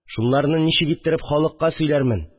Шунларны ничек иттереп халыкка сөйләрмен